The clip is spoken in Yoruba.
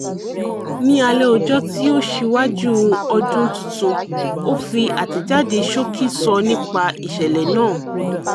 Ní alẹ́ ọjọ́ tí ó ṣíwájú Ọdún Tuntun, ó fi àtẹ̀jáde ṣókí sọ nípa ìṣẹ̀lẹ̀ náà.